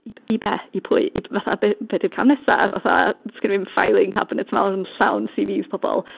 I be? I pwy? I- fatha, be be di'r cam nesa? Fatha, sgenna i'm filing cabinet yma yn llawn CVs pobl.